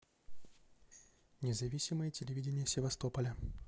независимое телевидение севастополя